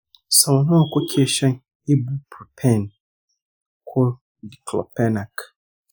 sau nawa kuke shan ibuprofen ko diclofenac?